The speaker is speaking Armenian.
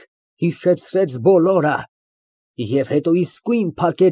ՄԱՐԳԱՐԻՏ ֊ Ես տրամադրություն չունիմ երեկույթ գնալու։ ԲԱԳՐԱՏ ֊ Չսիրեցի սկզբից ևեթ այդ խոսքը ֊ տրամադրություն։